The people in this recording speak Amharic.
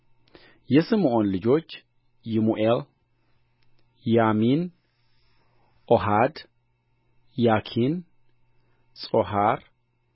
እኛ ባሪያዎችህ ከብላቴናነታችን ጀምረን እስከ አሁን ድረስ እኛም አባቶቻችንም እንስሳ አርቢዎች ነን